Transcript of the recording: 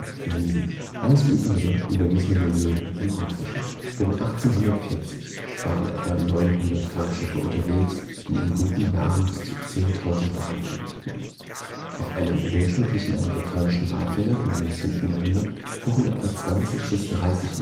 flensen "). Alles Übrige überließ man den Möwen und Raubfischen. Es wurden auch Jungtiere harpuniert, um die Alttiere anzulocken Eine Tranbrennerei im 18. Jahrhundert Walfänger um 1900, kleines Dampfschiff mit Harpunenkanone im Sankt-Lorenz-Strom Um 1840 waren etwa 900 Fangschiffe unterwegs, die in guten Jahren bis zu 10.000 Wale erlegten. Auf einem durchschnittlichen amerikanischen Walfänger im 19. Jahrhundert fuhren etwa 20 bis 30